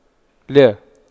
لا